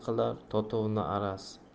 qilar totuvni araz